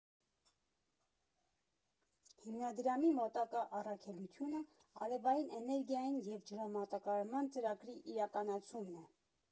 Հիմնադրամի մոտակա առաքելությունը արևային էներգիային և ջրամատակարարման ծրագրի իրականացումն է։